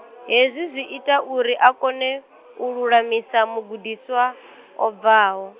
hezwi zwi ita uri a kone, u lulamisa mugudiswa o bvaho.